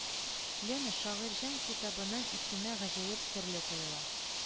Лена Шагыйрьҗан китабының исеме гаҗәеп серле тоела: